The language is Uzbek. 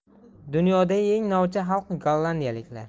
dunyodagi eng novcha xalq gollandiyaliklar